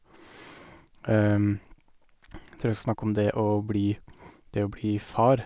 Trur jeg skal snakke om det å bli det å bli far.